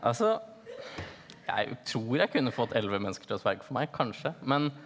altså jeg tror jeg kunne fått elleve mennesker til å sverge for meg kanskje men.